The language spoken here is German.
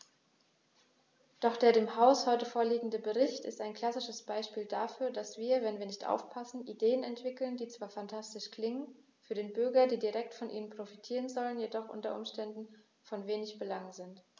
Doch der dem Haus heute vorliegende Bericht ist ein klassisches Beispiel dafür, dass wir, wenn wir nicht aufpassen, Ideen entwickeln, die zwar phantastisch klingen, für die Bürger, die direkt von ihnen profitieren sollen, jedoch u. U. von wenig Belang sind.